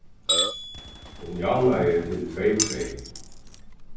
hon javnaði til tvey tvey